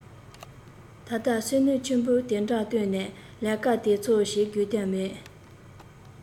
ད ལྟ སེམས ནུས ཆེན པོ དེ འདྲ བཏོན ནས ལས ཀ དེ ཚོ བྱེད དགོས དོན མེད